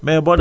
waa